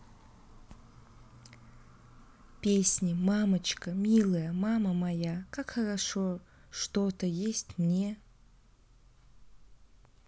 песни мамочка милая мама моя как хорошо что то есть мне